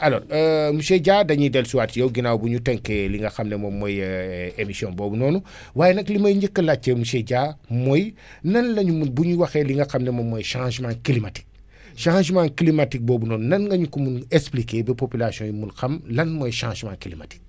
alors monsieur Dia dañuy dellu si waat si yow ginnaaw bu ñu tënkee li nga xam ne moom mooy émission boobu noonu waaye nag li may njëkk a laajte monsieur Dia mooy nan la ñu mun bu ñu waxee li nga xam nemoom mooy changement climatique changement climatique boobu noonu nan nga ñu ko mun expliquer ba population yi mun xam lan mooy changement climatique